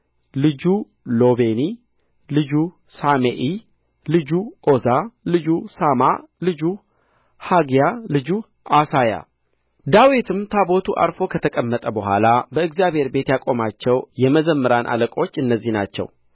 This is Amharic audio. ልጁ ሎቤኒ ልጁ ሰሜኢ ልጁ ዖዛ ልጁ ሳምዓ ልጁ ሐግያ ልጁ ዓሣያ ዳዊትም ታቦቱ ዐርፎ ከተቀመጠ በኋላ በእግዚአብሔር ቤት ያቆማቸው የመዘምራን አለቆች እነዚህ ናቸው